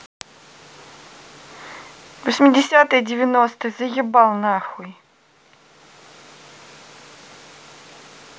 восьмидесятые девяностые заебал нахуй